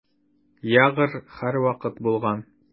Ягр һәрвакыт булган.